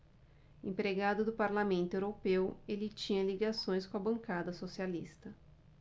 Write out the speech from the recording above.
empregado do parlamento europeu ele tinha ligações com a bancada socialista